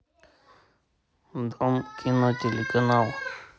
дом кино телеканал